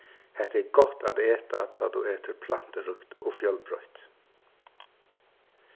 hetta er gott at eta tá tú etur planturíkt og fjølbroytt